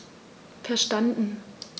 Verstanden.